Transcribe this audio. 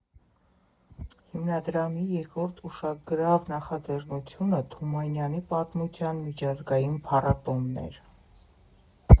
Հիմնադրամի երկրորդ ուշագրավ նախաձեռնությունը Թումանյանի պատմասության միջազգային փառատոնն է։